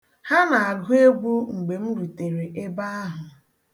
Ha na-agụ egwu mgbe m rutere ebe ahụ.